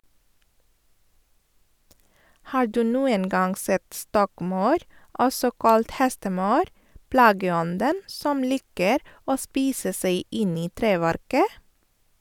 Har du noen gang sett stokkmaur, også kalt hestemaur, plageånden som liker å spise seg inn i treverket?